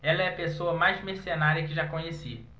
ela é a pessoa mais mercenária que já conheci